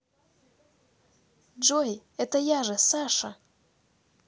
джой это я же саша